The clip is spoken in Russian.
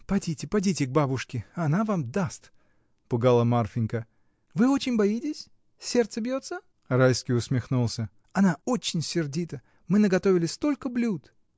— Подите, подите к бабушке: она вам даст! — пугала Марфинька. — Вы очень боитесь? Сердце бьется? Райский усмехнулся. — Она очень сердита. Мы наготовили столько блюд!